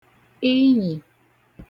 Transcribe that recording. inyì